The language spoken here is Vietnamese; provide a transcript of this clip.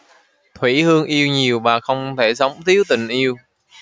thủy hương yêu nhiều và không thể sống thiếu tình yêu